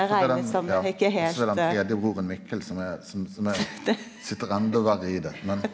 så er det den ja så det er den tredje broren Mikkel som er som som er sit endå verre i det men.